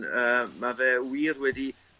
yy ma' fe wir wedi